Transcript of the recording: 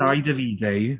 Dai Davide.